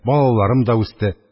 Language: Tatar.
Балаларым да үсте